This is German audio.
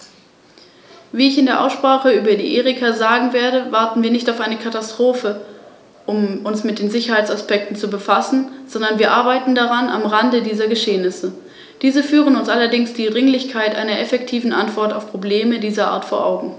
Nach der Tagesordnung folgt der Bericht von Herrn Koch im Namen des Ausschusses für Regionalpolitik, Verkehr und Fremdenverkehr für eine Richtlinie des Europäischen Parlament und des Rates zur Änderung der Richtlinie zur Angleichung der Rechtsvorschriften der Mitgliedstaaten für den Gefahrguttransport auf der Straße.